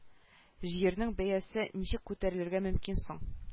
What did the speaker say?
Җирнең бәясе ничек күтәрелергә мөмкин соң